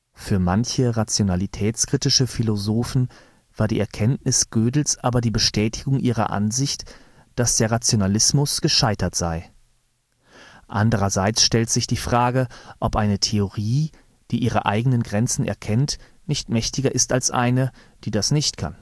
Für manche rationalitätskritische Philosophen war die Erkenntnis Gödels aber die Bestätigung ihrer Ansicht, dass der Rationalismus gescheitert sei. Andererseits kann man sich fragen, ob eine Theorie, die ihre eigenen Grenzen erkennt, nicht mächtiger ist als eine, die das nicht kann